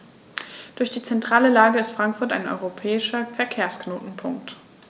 Durch die zentrale Lage ist Frankfurt ein europäischer Verkehrsknotenpunkt.